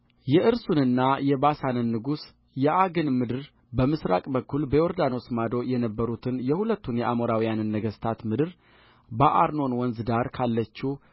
የእርሱንና የባሳንን ንጉሥ የዐግን ምድር በምሥራቅ በኩል በዮርዳኖስ ማዶ የነበሩትን የሁለቱን የአሞራውያንን ነገሥታት ምድርበአርኖን ወንዝ ዳር ካለችው